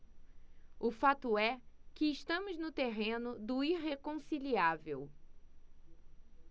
o fato é que estamos no terreno do irreconciliável